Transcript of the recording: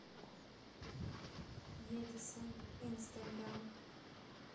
edison инстаграм